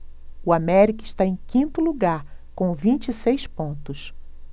o américa está em quinto lugar com vinte e seis pontos